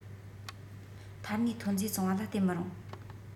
མཐའ སྣེའི ཐོན རྫས བཙོང བ ལ བརྟེན མི རུང